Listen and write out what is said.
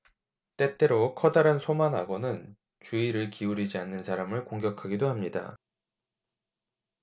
때때로 커다란 소만악어는 주의를 기울이지 않는 사람을 공격하기도 합니다